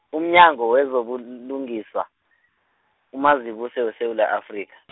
umnyango wezobul- lungiswa, uMazibuse weSewula Afrika .